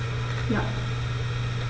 Ja.